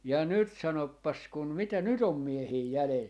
ja nyt sanopas kun mitä nyt on miehiä jäljellä